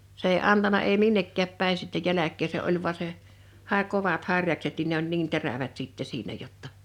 se ei antanut ei minnekään päin sitten jälkeä se oli vain se sai kovat harjakset niin ne oli niin terävät sitten siinä jotta